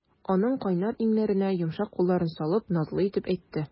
Аның кайнар иңнәренә йомшак кулларын салып, назлы итеп әйтте.